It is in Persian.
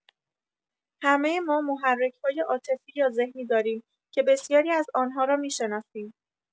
همه ما محرک‌های عاطفی یا ذهنی داریم که بسیاری از آن‌ها را می‌شناسیم.